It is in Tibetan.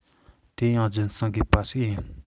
དེ ཡང རྒྱུན བསྲིང དགོས པ ཞིག ཡིན